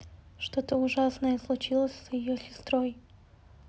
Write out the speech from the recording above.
что ужасное случилось с ее сестрой